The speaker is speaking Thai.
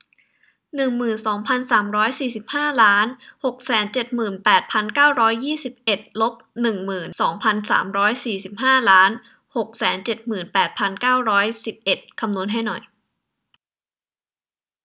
หนึ่งหมื่นสองพันสามร้อยสี่สิบห้าล้านหกแสนเจ็ดหมื่นแปดพันเก้าร้อยยี่สิบเอ็ดลบหนึ่งหมื่นสองพันสามร้อยสี่สิบห้าล้านหกแสนเจ็ดหมื่นแปดพันเก้าร้อยสิบเอ็ดคำนวณให้หน่อย